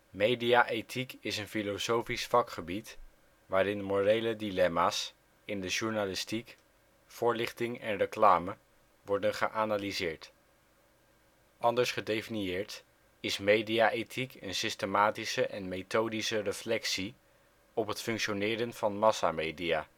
Media-ethiek is een filosofisch vakgebied waarin morele dilemma 's in de journalistiek, voorlichting en reclame worden geanalyseerd. Anders gedefinieerd is media-ethiek een systematische en methodische reflectie op het functioneren van massamedia